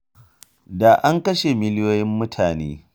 Da an kashe miliyoyin mutane.